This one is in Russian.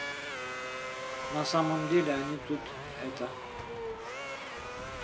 на самом деле они тут это